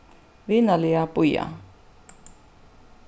vinarliga bíða